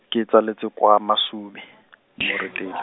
ke tsaletswe kwa Masube, Moretele.